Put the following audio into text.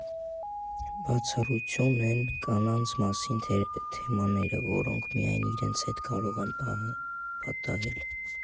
Բացառություն են կանանց մասին թեմաները, որոնք միայն իրենց հետ կարող են պատահել։